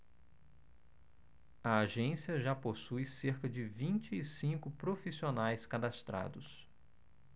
a agência já possui cerca de vinte e cinco profissionais cadastrados